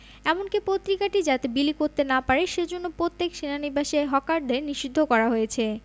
এমনকি পত্রিকাটি যাতে বিলি করতে না পারে সেজন্যে প্রত্যেক সেনানিবাসে হকারদের নিষিদ্ধ করা হয়েছে